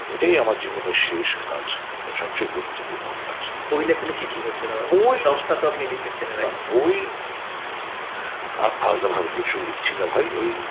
এটাই আমার জীবনের শেষ কাজ এবং সবচেয়ে গুরুত্বপূর্ণ কাজ বই লেখালেখি কি হচ্ছে দাদা বই দশটা তো আপনি লিখেছিলেন বই আর আলাদাভাবে কিছু লিখছি না ভাই ওই